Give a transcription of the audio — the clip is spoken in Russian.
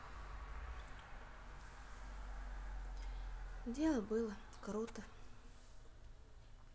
дело было круто